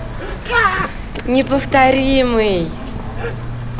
неповторимый